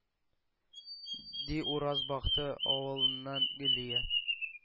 – ди уразбахты авылыннан гөлия.